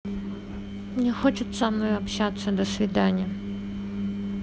не хочет со мной общаться до свидания